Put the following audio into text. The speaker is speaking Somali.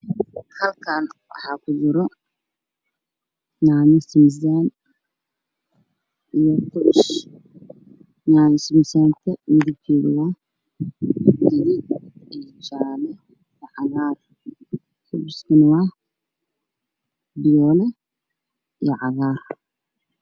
Halkaan waxaa ku jiro yanyo sebelsaan yanyo sebelsanka midabkeedu waa gaduud iyo jale iyo cagar jebiskuna waa fiyoole iyo cagar